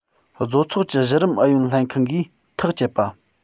བཟོ ཚོགས ཀྱི གཞི རིམ ཨུ ཡོན ལྷན ཁང གིས ཐག བཅད པ